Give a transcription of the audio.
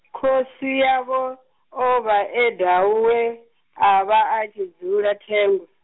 Khosi yavho o vha e Dau we, a vha a tshi dzula Thengwe.